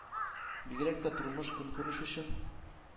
Бигрәк тә тормыш-көнкүреш өчен